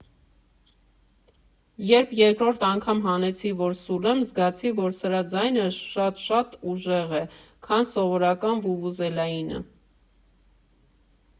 Երբ երկրորդ անգամ հանեցի, որ սուլեմ, զգացի, որ սրա ձայնը շատ֊շատ ուժեղ է, քան սովորական վուվուզելայինը։